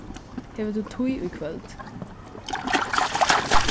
hevur tú tíð í kvøld